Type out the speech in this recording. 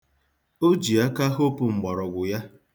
O ji aka hopụ mgbọrọgwụ ya.